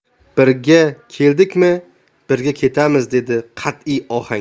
birga keldikmi birga ketamiz dedi qat'iy ohangda